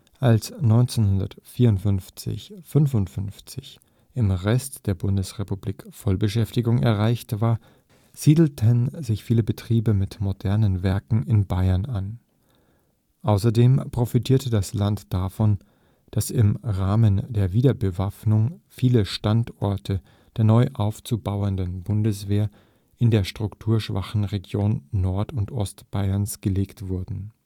Als 1954 / 55 im Rest der Bundesrepublik Vollbeschäftigung erreicht war, siedelten sich viele Betriebe mit modernen Werken in Bayern an. Außerdem profitierte das Land davon, dass im Rahmen der Wiederbewaffnung viele Standorte der neu aufzubauenden Bundeswehr in die strukturschwachen Regionen Nord - und Ostbayerns gelegt wurden